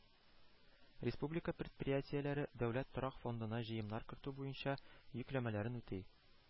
Республика предприятиеләре Дәүләт торак фондына җыемнар кертү буенча йөкләмәләрен үти